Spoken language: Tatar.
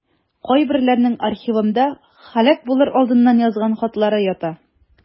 Кайберләренең архивымда һәлак булыр алдыннан язган хатлары ята.